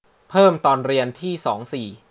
เพิ่มตอนเรียนที่สองสี่